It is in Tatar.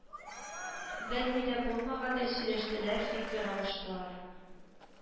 Берни дә булмагандай сөйләштеләр фикер алыштылар